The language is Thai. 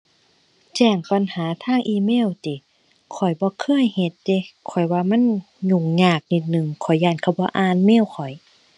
แจ้งปัญหาทางอีเมลติ ข้อยบ่เคยเฮ็ดเดะ ข้อยว่ามันยุ่งยากนิดหนึ่ง ข้อยย้านเขาบ่อ่านเมลข้อย